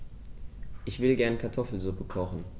Ich will gerne Kartoffelsuppe kochen.